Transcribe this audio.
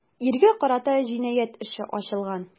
Иргә карата җинаять эше ачылган.